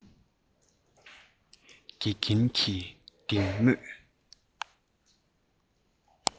དགེ རྒན གྱི སྡིག དམོད